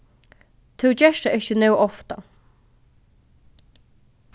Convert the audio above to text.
tú gert tað ikki nóg ofta